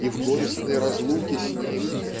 и в горестной разлуке с ним